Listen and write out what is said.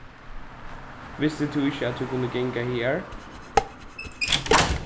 visti tú ikki at tú kundi ganga hagar